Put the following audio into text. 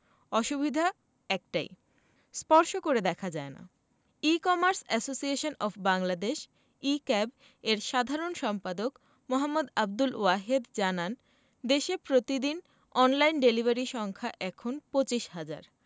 অসুবিধা একটাই স্পর্শ করে দেখা যায় না e commerce association of Bangladesh E CAB এর সাধারণ সম্পাদক মো. আবদুল ওয়াহেদ জানান দেশে প্রতিদিন অনলাইন ডেলিভারি সংখ্যা এখন ২৫ হাজার